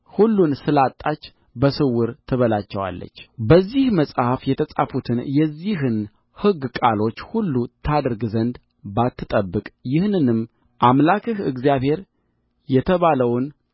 ሁሉን ስላጣች በስውር ትበላቸዋለች በዚህ መጽሐፍ የተጻፉትን የዚህን ሕግ ቃሎች ሁሉ ታደርግ ዘንድ ባትጠብቅ ይህንንም አምላክህ እግዚአብሔር የተባለውን